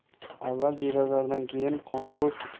avval jiydazordan keyin qonqus